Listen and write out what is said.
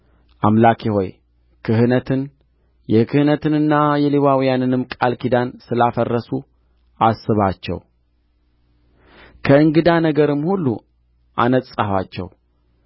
አምላኬ ሆይ ክህነትን የክህነትንና የሌዋውያንንም ቃል ኪዳን ስላፈረሱ አስባቸው ከእንግዳ ነገርም ሁሉ አነጻኋቸው